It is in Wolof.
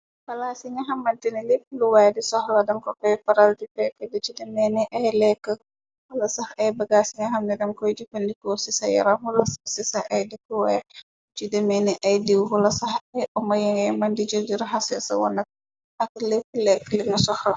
Palaas yi nga xamanteni lepp lu waay di sox la dan ko foy faral di feke, li demeeni ay lekk wala sax ay bagaas yi nga xamne di koy jëfandiko si sa yaram wala sax si sa ay dekkuway, ci demeeni ay diiw wala sax ay omo yengey mën di jël di raxase sa wonak ak lepp lekk linga sox la.